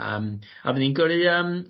A yym a by' ni'n gyrru yym